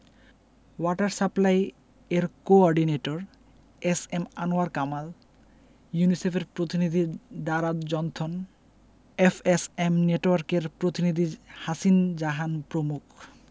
water supply এর coordinator S M Anwar Kamal ইউনিসেফের প্রতিনিধি ডারা জনথন এফএসএম নেটওয়ার্কের প্রতিনিধি হাসিন জাহান প্রমুখ